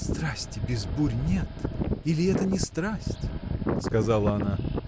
— Страсти без бурь нет, или это не страсть! — сказала она.